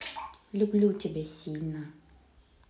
люблю тебя сильно